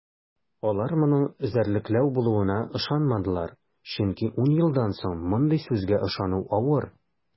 Алар моның эзәрлекләү булуына ышанмадылар, чөнки ун елдан соң мондый сүзгә ышану авыр.